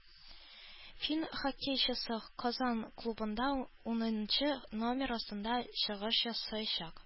Фин хоккейчысы Казан клубында унынчы номер астында чыгыш ясаячак